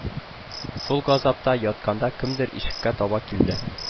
Шул газапта ятканда кемдер ишеккә таба килде